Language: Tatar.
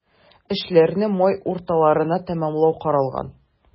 Эшләрне май урталарына тәмамлау каралган.